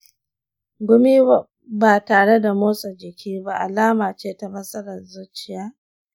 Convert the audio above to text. gumi ba tare da motsa jiki ba alama ce ta matsalar zuciya?